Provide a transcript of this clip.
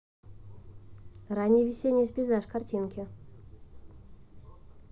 ранний весенний пейзаж картинки